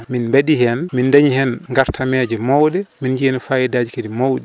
min baɗihen min dañi hen gartameje mawɓe min jiihen fayidaji kadi mawɗi